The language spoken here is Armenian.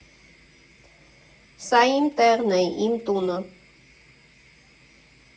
Սա իմ տեղն է, իմ տունը։